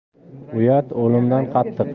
uyat o'limdan qattiq